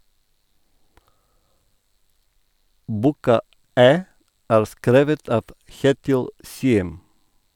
Boka "Æ" er skrevet av Kjetil Siem.